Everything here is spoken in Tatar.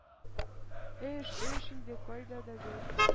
Эш эш инде, кайда да бер,